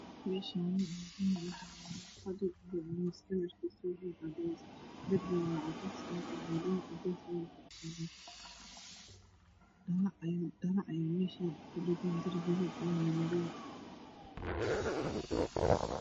Meeshaani waa hool waxaa yaalo fadhi kalarkisa yahay cadays dhalo ayaa ku dhagan waana madow